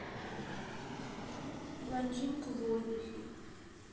блондинка в воздухе